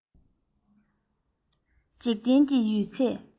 འཇིག རྟེན གྱི ཡོད ཚད